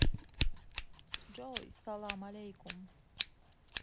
джой салам алейкум